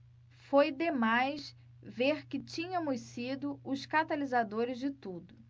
foi demais ver que tínhamos sido os catalisadores de tudo